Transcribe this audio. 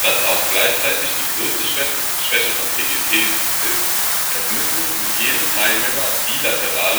Das ist auch gleichzeitig die große Schwäche von PGP. Es müssen mit jedem Teilnehmer bi-lateral